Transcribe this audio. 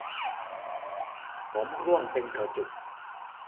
ผมร่วงเป็นกระจุก